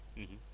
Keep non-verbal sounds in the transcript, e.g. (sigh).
(hesitation) (hesitation)